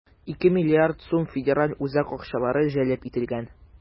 2 млрд сум федераль үзәк акчалары җәлеп ителгән.